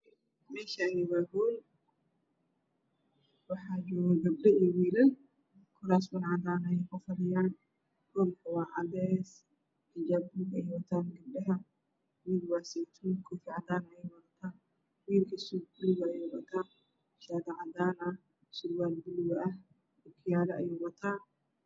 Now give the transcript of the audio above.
Meshani waa hol waxa joga gabdho iyo wiilal kurasman cadan ayeykufadhiyan holka waa cades xijab balugah ayey watan gabdhaha gurigawasetuni kofiyadcadaney wadata wiilkasuud bulugah ayuuwataashati cadan ah sirwalbulugah okiyalo ayuuwataa